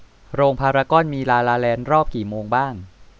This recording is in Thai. โรงพารากอนมีลาลาแลนด์รอบกี่โมงบ้าง